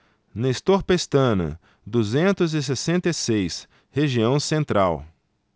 nestor pestana duzentos e sessenta e seis região central